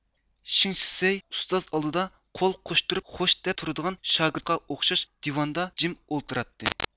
شېڭشىسەي ئۇستاز ئالدىدا قول قوشتۇرۇپ خوش دەپ تۇرىدىغان شاگىرتقا ئوخشاش دىۋاندا جىم ئولتۇراتتى